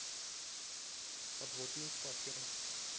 подводные квакеры